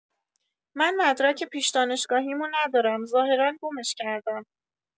من مدرک پیش دانشگاهیمو ندارم ظاهرا گمش کردم.